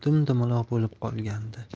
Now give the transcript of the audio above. dum dumaloq bo'lib qolgandi